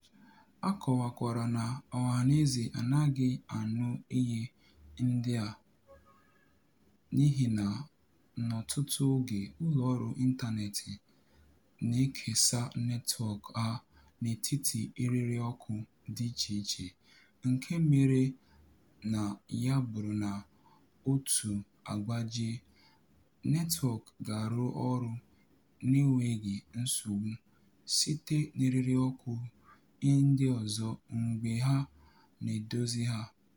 Ha kọwakwara na ọhanaeze anaghị anụ ihe ndị a n'ihina, n'ọtụtụ oge, ụlọọrụ ịntaneetị na-ekesa netwọk ha n'etiti eririọkụ dị icheiche nke mere na ya bụrụ na otu agbajie, netwọk ga-arụ ọrụ n'enweghị nsogbu site n'eririọkụ ndị ọzọ mgbe a na-edozi ha.